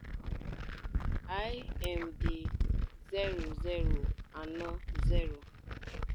IMD_0040